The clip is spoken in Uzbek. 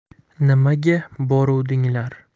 nimaga boruvdinglar